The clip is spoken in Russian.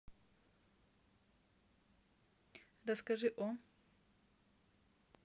расскажи о